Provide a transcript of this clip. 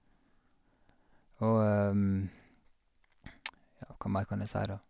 Og, ja, hva mer kan jeg si, da.